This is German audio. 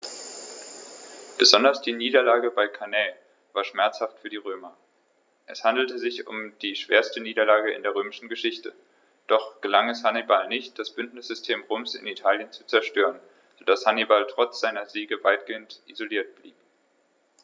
Besonders die Niederlage bei Cannae war schmerzhaft für die Römer: Es handelte sich um die schwerste Niederlage in der römischen Geschichte, doch gelang es Hannibal nicht, das Bündnissystem Roms in Italien zu zerstören, sodass Hannibal trotz seiner Siege weitgehend isoliert blieb.